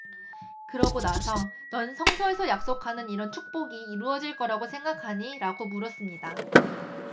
그러고 나서 넌 성서에서 약속하는 이런 축복이 이루어질 거라고 생각하니 라고 물었습니다